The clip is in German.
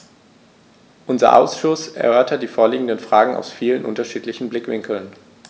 Unser Ausschuss erörtert die vorliegenden Fragen aus vielen unterschiedlichen Blickwinkeln.